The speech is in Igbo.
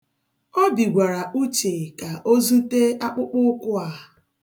Obi gwara Uche ka o zute akpụkpụụkwa a.